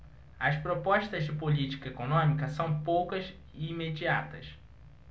as propostas de política econômica são poucas e imediatas